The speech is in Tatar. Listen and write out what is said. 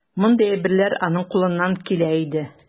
Мондый әйберләр аның кулыннан килә иде.